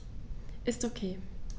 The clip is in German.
Ist OK.